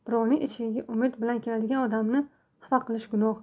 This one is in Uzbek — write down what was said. birovning eshigiga umid bilan kelgan odamni xafa qilish gunoh